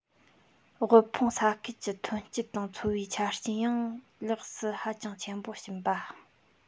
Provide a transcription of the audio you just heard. དབུལ ཕོངས ས ཁུལ གྱི ཐོན སྐྱེད དང འཚོ བའི ཆ རྐྱེན ཡང ལེགས སུ ཧ ཅང ཆེན པོ ཕྱིན པ